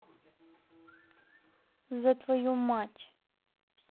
за твою мать